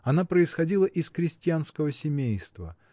Она происходила из крестьянского семейства